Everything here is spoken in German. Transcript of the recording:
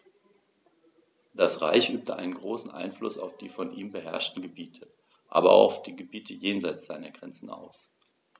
Das Reich übte einen großen Einfluss auf die von ihm beherrschten Gebiete, aber auch auf die Gebiete jenseits seiner Grenzen aus.